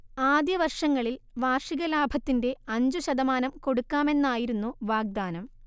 ആദ്യവർഷങ്ങളിൽ വാർഷിക ലാഭത്തിന്റെ അഞ്ചു ശതമാനം കൊടുക്കാമെന്നായിരുന്നു വാഗ്ദാനം